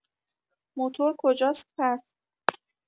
موتور کجاست پس؟